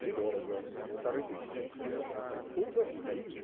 Недорого, полторы тысячи. - Полторы!